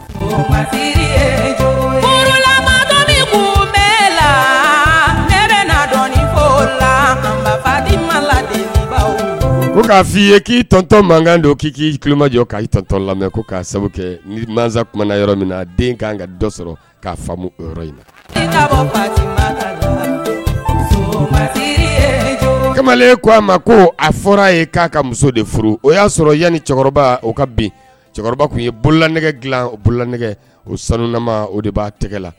Kun bɛ la la k' f fɔ ii ye k'i tɔntɔn mankan don k'i k'i ki kumajɔ k katɔ lamɛn ko ka sabu ni masasa tumaumana na yɔrɔ min na den ka kan ka dɔ sɔrɔ k'a faamumu yɔrɔ in na kamalen ko a ma ko a fɔra a ye k'a ka muso de furu o y'a sɔrɔ yanani cɛkɔrɔba o ka bin cɛkɔrɔba tun ye bolola nɛgɛ dilan bolola nɛgɛ o sanuma o de b'a tɛgɛ la